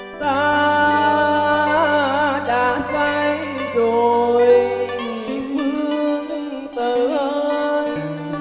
ta đã sai rồi nương tử ơi